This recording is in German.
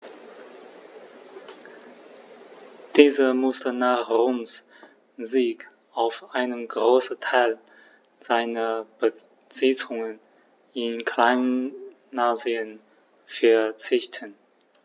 Dieser musste nach Roms Sieg auf einen Großteil seiner Besitzungen in Kleinasien verzichten.